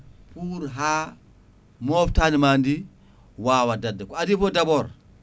pour ha moftañoma ndi wawa dadde ko adi foof d' abord